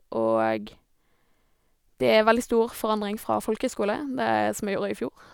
Og det er veldig stor forandring fra folkehøgskole, der jeg som jeg gjorde i fjor.